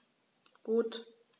Gut.